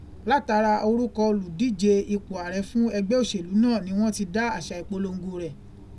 Látara orúkọ olùdíje ipò ààrẹ fún ẹgbẹ́ òṣèlú náà ni wọ́n ti dá àṣà ìpolongo rẹ̀.